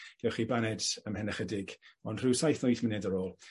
gewch chi baned ymhen ychydig ond rhyw saith ne' wyth munud ar ôl.